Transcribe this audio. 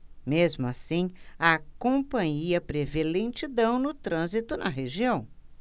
mesmo assim a companhia prevê lentidão no trânsito na região